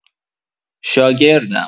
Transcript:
شاگردم